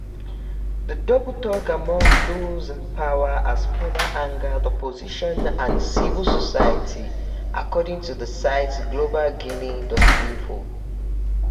This double talk amongst those in power has further angered the opposition and civil society, according to the site globalguinee.info: